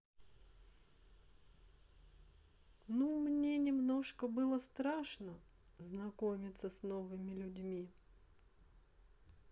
ну мне немножко было страшно знакомиться с новыми людьми